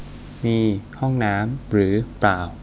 มีห้องน้ำหรือเปล่า